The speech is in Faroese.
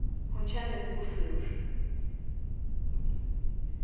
hon kennist burturúr